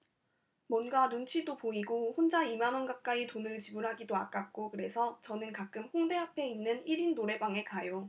뭔가 눈치도 보이고 혼자 이 만 원 가까이 돈을 지불하기도 아깝고 그래서 저는 가끔 홍대앞에 있는 일 인 노래방에 가요